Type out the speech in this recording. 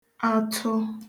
atụ